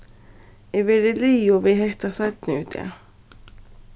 eg verði liðug við hetta seinni í dag